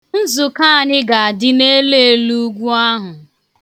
Nzụkọ anyị ga-adị n'eluelu ugwu ahụ.